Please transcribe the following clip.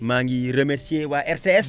maa ngi remercié waa RTS